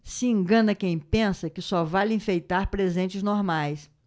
se engana quem pensa que só vale enfeitar presentes normais